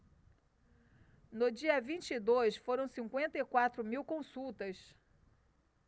no dia vinte e dois foram cinquenta e quatro mil consultas